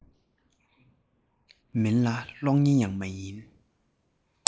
མིན ལ གློག བརྙན ཡང མ ཡིན